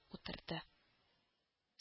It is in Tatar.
Утырды